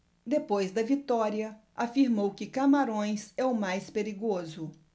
depois da vitória afirmou que camarões é o mais perigoso